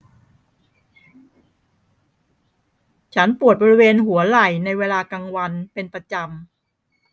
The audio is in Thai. ฉันปวดบริเวณหัวไหล่ในเวลากลางวันเป็นประจำ